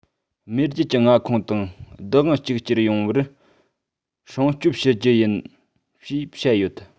མེས རྒྱལ གྱི མངའ ཁོངས དང བདག དབང གཅིག གྱུར ཡོང བར སྲུང སྐྱོབ ཞུ རྒྱུ ཡིན ཞེས བཤད ཡོད